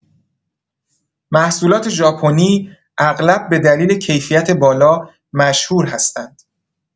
محصولات ژاپنی اغلب به دلیل کیفیت بالا مشهور هستند.